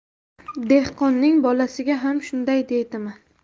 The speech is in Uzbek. dehqonning bolasiga ham shunday deydimi